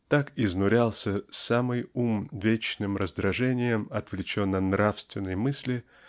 так изнурялся самый ум вечным раздражением отвлеченно-нравственной мысли